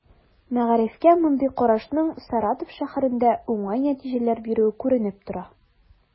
Мәгарифкә мондый карашның Саратов шәһәрендә уңай нәтиҗәләр бирүе күренеп тора.